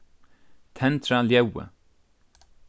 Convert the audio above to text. tendra ljóðið